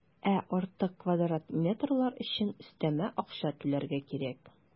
Ә артык квадрат метрлар өчен өстәмә акча түләргә кирәк.